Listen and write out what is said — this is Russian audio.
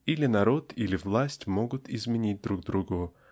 или народ, или власть могут изменить друг другу.